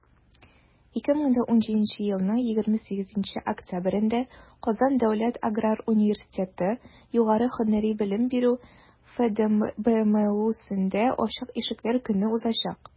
2017 елның 28 октябрендә «казан дәүләт аграр университеты» югары һөнәри белем бирү фдбмусендә ачык ишекләр көне узачак.